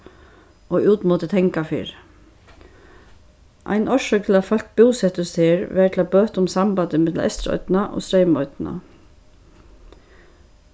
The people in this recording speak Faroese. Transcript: og út móti tangafirði ein orsøk til at fólk búsettust her var til at bøta um sambandið millum eysturoynna og streymoynna